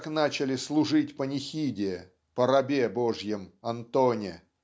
как начали служить панихиды по рабе Божьем Антоне.